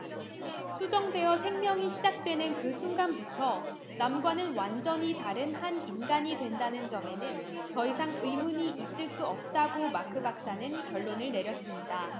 수정되어 생명이 시작되는 그 순간부터 남과는 완전히 다른 한 인간이 된다는 점에는 더 이상 의문이 있을 수 없다고 마크 박사는 결론을 내렸습니다